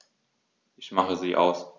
Ich mache sie aus.